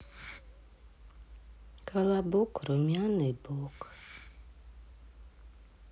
колобок румяный бок